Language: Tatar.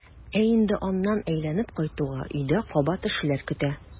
Ә инде аннан әйләнеп кайтуга өйдә кабат эшләр көтә.